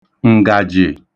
ǹgàjị̀